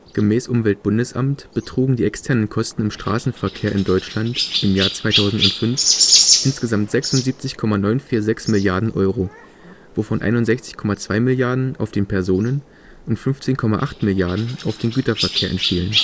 Gemäß Umweltbundesamt betrugen die externen Kosten im Straßenverkehr in Deutschland im Jahr 2005 insgesamt 76,946 Mrd. Euro, wovon 61,2 Mrd. auf den Personen - und 15,8 Mrd. auf den Güterverkehr entfielen